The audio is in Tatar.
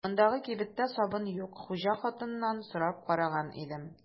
Мондагы кибеттә сабын юк, хуҗа хатыннан сорап караган идем.